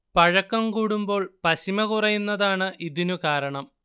പഴക്കം കൂടുമ്പോൾ പശിമ കുറയുന്നതാണ് ഇതിനു കാരണം